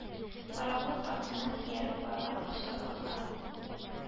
Пароход артыннан ияреп барган акчарлаклар,